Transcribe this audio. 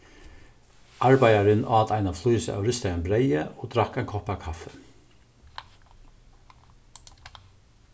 arbeiðarin át eina flís av ristaðum breyði og drakk ein kopp av kaffi